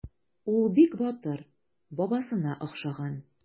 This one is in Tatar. Ул бик батыр, бабасына охшаган.